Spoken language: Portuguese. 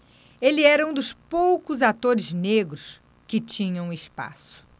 ele era um dos poucos atores negros que tinham espaço